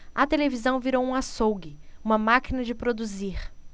a televisão virou um açougue uma máquina de produzir